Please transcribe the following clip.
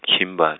Kimber-.